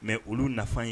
Mais olu nafa ye